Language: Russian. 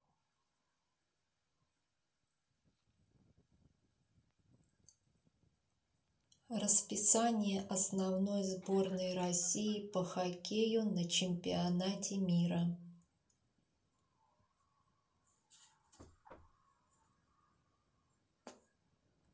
расписание основной сборной россии по хоккею на чемпионате мира